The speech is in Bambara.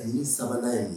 Laɲini 3nan ye nin ye.